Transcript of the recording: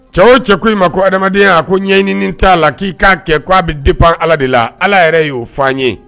Cɛw cɛ ko ma ko adamadamadenya a ko ɲɛɲini t'a la k'i k'a kɛ k' a bɛ di ban ala de la ala yɛrɛ y'o fɔ ye